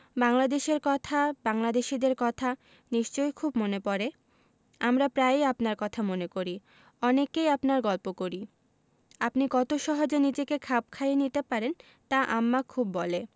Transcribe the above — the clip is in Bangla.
বাংলাদেশের কথা বাংলাদেশীদের কথা নিশ্চয় খুব মনে পরে আমরা প্রায়ই আপনার কথা মনে করি অনেককেই আপনার গল্প করি আপনি কত সহজে নিজেকে খাপ খাইয়ে নিতে পারেন তা আম্মা খুব বলে